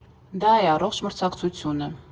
Դա է առողջ մրցակցությունը։